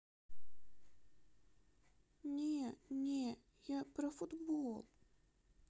не не я про футбол